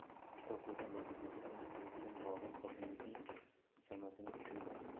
kitoblardan boshqa narsani unutgan bobur qosimbekning shamasini tushunmadi